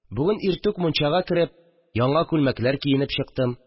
Бүген иртүк, мунчага кереп, яңа күлмәкләр киенеп чыктым